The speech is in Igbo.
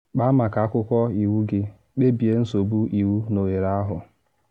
Kpaa maka akwụkwọ iwu gị: Kpebie nsogbu iwu n’ohere ahụ.